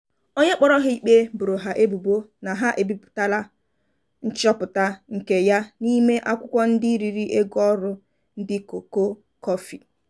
Onye kpọrọ ha ikpe boro ha ebubo na ha ebiputara nchọpụta nke ya n'ime akwụkwọ ndị riri ego ọrụ ndị cocoa-coffee.